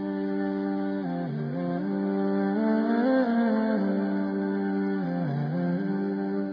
<MUSIQUE